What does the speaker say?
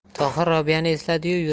tohir robiyani esladi